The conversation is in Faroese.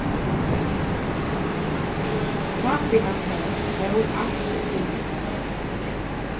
pápi hansara fór alt ov tíðliga